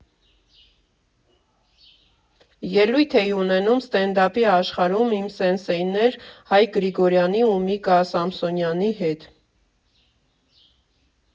Ելույթ էի ունենում ստենդափի աշխարհում իմ սենսեյներ Հայկ Գրիգորյանի ու Միկա Սամսոնյանի հետ։